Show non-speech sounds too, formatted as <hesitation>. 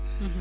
<hesitation> <hesitation>